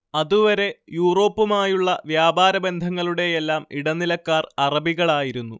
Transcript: അതുവരെ യൂറോപ്പുമായുളള വ്യാപാര ബന്ധങ്ങളുടെയെല്ലാം ഇടനിലക്കാർ അറബികളായിരുന്നു